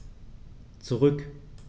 Zurück.